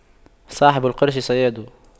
صاحب القرش صياد